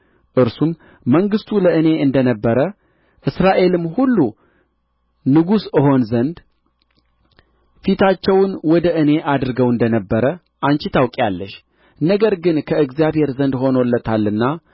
እርሱም መንግሥቱ ለእኔ እንደ ነበረ እስራኤልም ሁሉ ንጉሥ እሆን ዘንድ ፊታቸውን ወደ እኔ አድርገው እንደ ነበረ አንቺ ታውቂያለሽ ነገር ግን ከእግዚአብሔር ዘንድ ሆኖለታልና